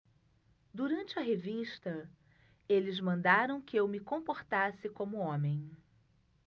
durante a revista eles mandaram que eu me comportasse como homem